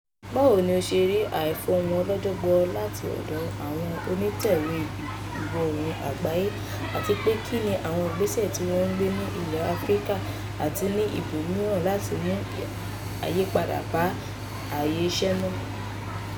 Báwo ni o ṣe rí àìfọhùn ọlọ́jọ́ gbọọrọ láti ọ̀dọ̀ àwọn òǹtẹ̀wé Ìwọ̀-oòrùn àgbáyé, àti pé kínni àwọn ìgbésẹ̀ tí wọ́n ń gbé ní ilẹ̀ Áfíríkà àti ní ibòmíràn láti mú àyípadà bá àyè iṣẹ́ náà?